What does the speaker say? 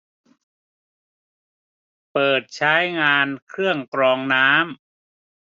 เปิดใช้งานเครื่องกรองน้ำ